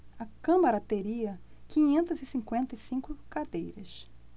a câmara teria quinhentas e cinquenta e cinco cadeiras